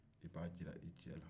i b'a jira i cɛ la